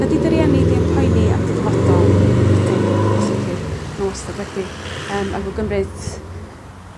Ydi dy rieni di yn poeni am y dy ddyfodol? Ydyn sicir ma' n'w wastad wedi yym ag o gymryd